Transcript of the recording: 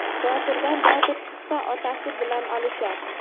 botirdan botir chiqsa otasi bilan olishar